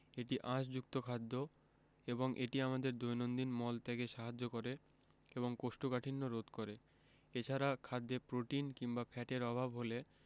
এটি আঁশযুক্ত খাদ্য এবং এটি আমাদের দৈনন্দিন মল ত্যাগে সাহায্য করে এবং কোষ্ঠকাঠিন্য রোধ করে এছাড়া খাদ্যে প্রোটিন কিংবা ফ্যাটের অভাব হলে